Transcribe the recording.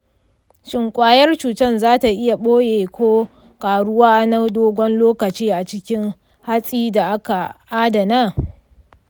shin kwayar cutar za ta iya ɓoye ko rayuwa na dogon lokaci a cikin hatsin da aka adana?